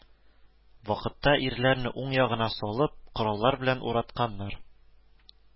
Вакытта ирләрне уң ягына салып, кораллар белән уратканнар